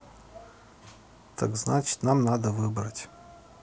так значит нам надо выбрать